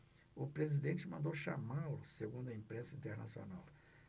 o presidente mandou chamá-lo segundo a imprensa internacional